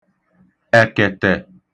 ẹ̀kẹ̀tẹ̀